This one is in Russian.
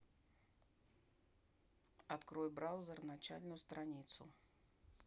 открой браузер начальную страницу